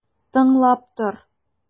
Тыңлап тор!